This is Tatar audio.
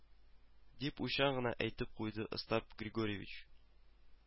Дип уйчан гына әйтеп куйды остап григорьевич